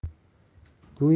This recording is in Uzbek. go'yo undan oq